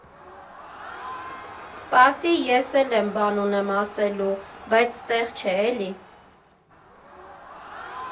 ֊ Սպասի, ես էլ եմ բան ունեմ ասելու, բայց ստեղ չէ էլի։